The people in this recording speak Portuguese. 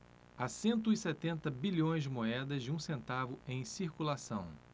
há cento e setenta bilhões de moedas de um centavo em circulação